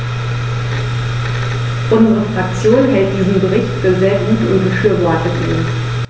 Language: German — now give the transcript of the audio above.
Unsere Fraktion hält diesen Bericht für sehr gut und befürwortet ihn.